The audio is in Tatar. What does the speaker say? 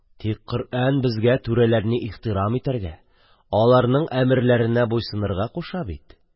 Тик Коръән безгә түрәләрне ихтирам итәргә, аларның әмерләренә буйсынырга куша бит.